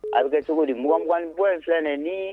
A bɛ kɛ cogo di muganugan bɔ in filɛɛnɛ ni